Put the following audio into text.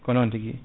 ko noon tigui